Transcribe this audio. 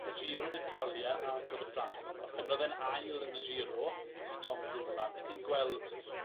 y Giro D'Italia a'r Tour de France. Orffennodd e'n ail yn y Giro i Tom Dumoulin be' ti'n gweld